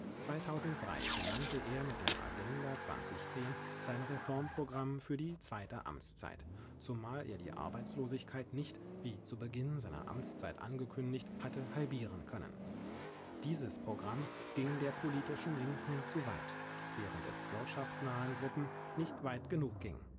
2003 benannte er mit der Agenda 2010 sein Reformprogramm für die zweite Amtszeit, zumal er die Arbeitslosigkeit nicht – wie zu Beginn seiner Amtszeit angekündigt – hatte halbieren können. Dieses Programm ging der politischen Linken zu weit, während es wirtschaftsnahen Gruppen nicht weit genug ging